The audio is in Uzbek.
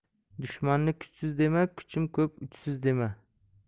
dushmanni kuchsiz dema kuchim ko'p uchsiz dema